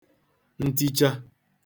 nticha